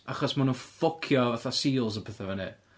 Achos maen nhw ffwcio fatha seals a pethau fyny.